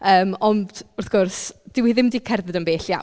Yym ond wrth gwrs dyw hi ddim 'di cerdded yn bell iawn.